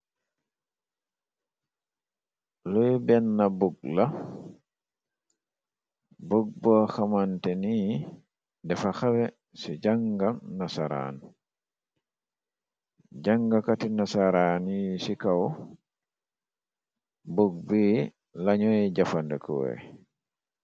Lee bena buuk la buuk bo xamante ni defa xawe ci jànga nasaraan jangakati nasaraan y ci kaw buuk bi lañuy jafandeko wee